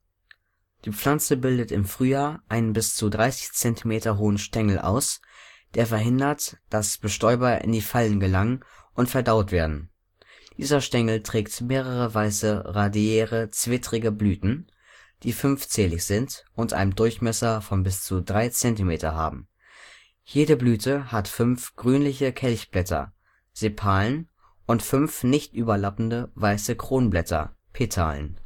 Die Pflanze bildet im Frühjahr einen bis zu 30 Zentimeter hohen Stängel aus, der verhindert, dass Bestäuber in die Fallen gelangen und verdaut werden. Dieser Stängel trägt mehrere weiße radiäre, zwittrige Blüten, die fünfzählig sind und einen Durchmesser von bis zu drei Zentimetern haben. Jede Blüte hat fünf grünliche Kelchblätter (Sepalen) und fünf nicht überlappende, weiße Kronblätter (Petalen